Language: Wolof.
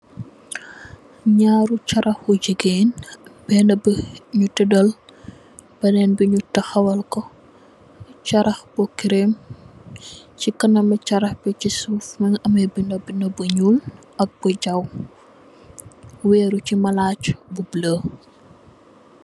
Ñaaru charah hu jigéen, benna bi nu tëddal, benen bi nu tahawal ko. Charah bi kërèm, ci kanam mu charah bi ci suuf mungi ameh binda-binda bu ñuul ak bi chaw. Wèrru ci maraj bu bulo.